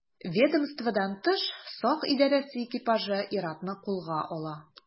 Ведомстводан тыш сак идарәсе экипажы ир-атны кулга ала.